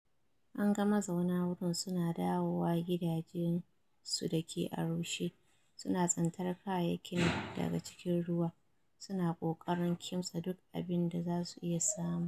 An ga mazauna wurin su na dawowa gidaje su da ke a rushe, su na tsintar kayayyakin daga cikin ruwa, su na ƙoƙarin kimtsa duk abin da zasu iya samu.